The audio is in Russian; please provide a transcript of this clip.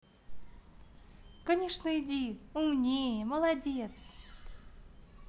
конечно иди умнее молодец